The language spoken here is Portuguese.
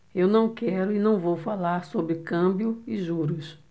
eu não quero e não vou falar sobre câmbio e juros